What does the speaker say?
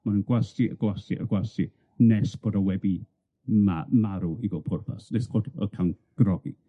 Ma' nw'n gwasgu a gwasgu a gwasgu nes bod o wedi ma- marw i bob pwrpas, nes bod o ca'l yn grogi.